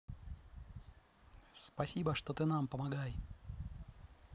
спасибо что ты нам помогай